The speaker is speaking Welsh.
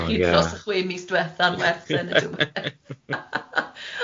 dros y chwe mis diwetha'n werth yn y diwedd?